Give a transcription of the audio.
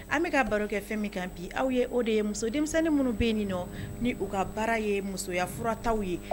An bɛ ka baro kɛ fɛn min kan bi aw ye o de ye muso denmisɛnnin minnu bɛ yenni nɔ ni u ka baara ye musoyafurataw ye